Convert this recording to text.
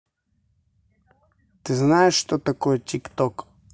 ты знаешь что такое тик ток